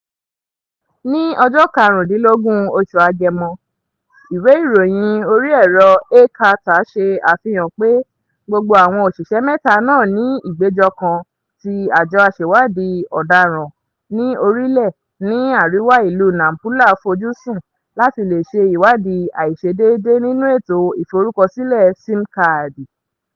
Ní ọjọ́ 15 oṣù Agẹmọ, ìwé ìròyìn orí ẹ̀rọ A Carta ṣe àfihàn pé gbogbo àwọn òṣìṣẹ́ mẹ́ta náà ni ìgbẹ́jọ́ kan tí Àjọ Aṣèwádìí Ọ̀daràn ní Orílẹ̀ ní àríwá ìlú Nampula fojú sùn láti lè ṣe ìwádìí àìṣedéédé nínú ètò ìforúkọsílẹ̀ SIM kaàdì.